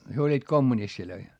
he olivat kommunisteja